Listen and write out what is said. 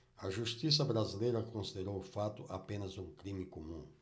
a justiça brasileira considerou o fato apenas um crime comum